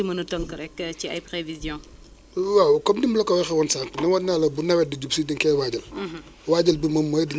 ci côté prévision di sensibiliser nit ñi ak béykat yi ak yeneen acteurs yi ci risque comme nim ko waxee léegi nii risque yu nga xam ne